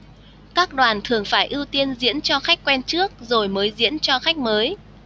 các đoàn thường phải ưu tiên diễn cho khách quen trước rồi mới diễn cho khách mới